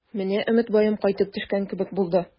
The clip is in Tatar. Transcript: Менә Өметбаем кайтып төшкән кебек булды.